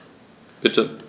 Bitte.